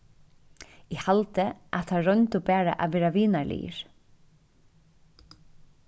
eg haldi at teir royndu bara at vera vinarligir